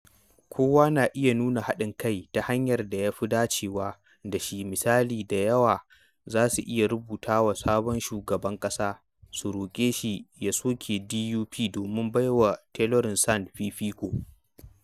Kowa na iya nuna haɗin kai ta hanyar da ya fi dacewa da shi — misali, da yawa za su iya rubuta wa sabon shugaban ƙasa su roƙe shi ya soke DUP domin baiwa Toliara Sands fifiko.